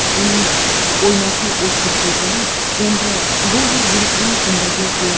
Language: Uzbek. uning o'ynoqi o'tkir ko'zlari endi go'yo bulutli kundagi quyosh